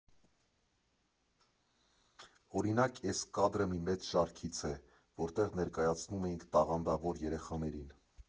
Օրինակ՝ էս կադրը մի մեծ շարքից է, որտեղ ներկայացնում էինք տաղանդավոր երեխաներին։